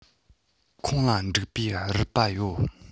ཁོང ལ འགྲིག པའི རུས པ ཡོད